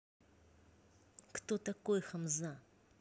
кто такой хамза